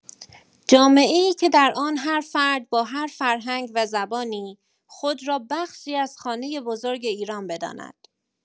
جامعه‌ای که در آن هر فرد با هر فرهنگ و زبانی، خود را بخشی از خانه بزرگ ایران بداند.